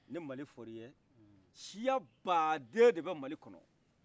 ni mali fɔr'ye siya bade de be mali kɔnɔ